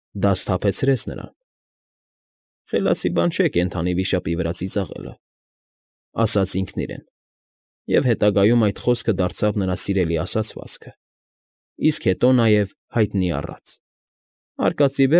Դա սթափեցրեց նրան։ «Խելացի բան չէ կենդանի վիշապի վրա ծիծաղելը»,֊ ասաց ինքն իրենց, և հետագայում այդ խոսքը դարձավ նրա սիրելի ասացվածքը, իսկ հետո նաև հայտնի առած։ «Արկածի։